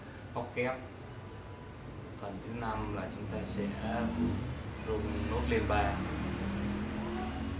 là rung nốt móc kép là rung liên ba móc đơn